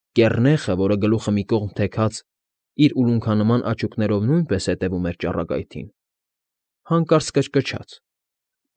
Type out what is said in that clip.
Կեռնեխը, որը, գլուխը մի կողմ թեքած, իր ուլունքանման աչուկներըով նույնպս հետևում էր ճառագայթին, հանկարծ կչկչաց։